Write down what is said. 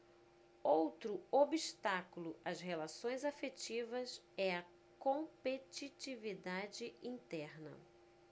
outro obstáculo às relações afetivas é a competitividade interna